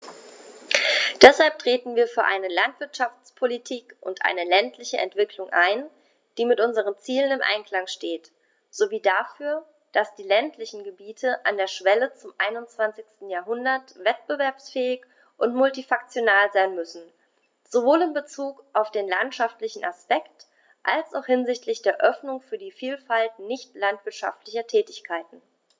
Deshalb treten wir für eine Landwirtschaftspolitik und eine ländliche Entwicklung ein, die mit unseren Zielen im Einklang steht, sowie dafür, dass die ländlichen Gebiete an der Schwelle zum 21. Jahrhundert wettbewerbsfähig und multifunktional sein müssen, sowohl in Bezug auf den landwirtschaftlichen Aspekt als auch hinsichtlich der Öffnung für die Vielfalt nicht landwirtschaftlicher Tätigkeiten.